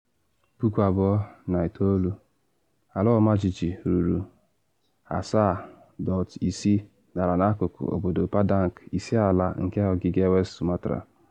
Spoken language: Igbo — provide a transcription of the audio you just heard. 2009: Ala ọmajiji ruru 7.6 dara n’akụkụ obodo Padang, isi ala nke ogige West Sumatra.